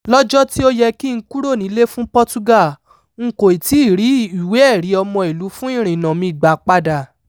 Lọ́jọ́ tí ó yẹ kí n kúrò nílé fún Portugal, n kòì tí ì rí ìwé-ẹ̀rí-ọmọìlú-fún-ìrìnnà mi gbà padà...